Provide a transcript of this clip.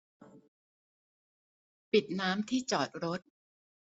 ปิดน้ำที่จอดรถ